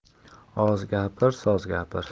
oz gapir soz gapir